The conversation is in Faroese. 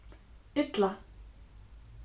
illa